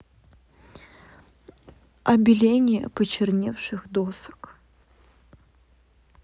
обеление почерневших досок